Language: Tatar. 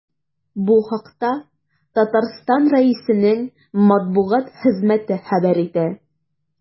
Бу хакта Татарстан Рәисенең матбугат хезмәте хәбәр итә.